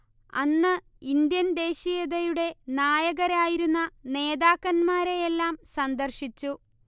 അന്ന് ഇൻഡ്യൻ ദേശീയതയുടെ നായകരായിരുന്ന നേതാക്കന്മാരെയെല്ലാം സന്ദർശിച്ചു